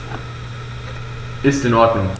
Ist in Ordnung.